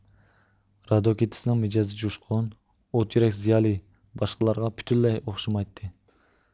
رادوكېتسنىڭ مىجەزى جۇشقۇن ئوت يۈرەك زىيالىي باشقىلارغا پۈتۈنلەي ئوخشىمايتتى